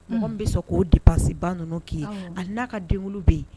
Mɔgɔ min bɛ sɔn k'o dépenses ba ninnu k'i ye, awɔ, hali n'a ka denkundi bɛ yen